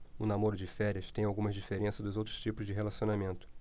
o namoro de férias tem algumas diferenças dos outros tipos de relacionamento